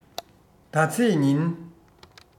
ཟླ ཚེས ཉིན